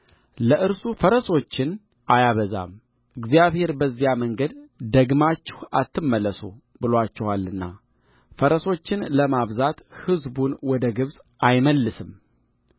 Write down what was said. ለእርሱ ፈረሶችን አያበዛም እግዚአብሔር በዚያ መንገድ ደግማችሁ አትመለሱም ብሎአችኋልና ፈረሶችን ለማብዛት ሕዝቡን ወደ ግብፅ አይመልስም